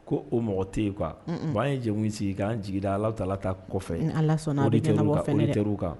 Ko o mɔgɔ tɛ yen quoi Un un . bon an ye jɛmu in sigi kan jigi da Alahu tala ta kɔfɛ auditeurs kan.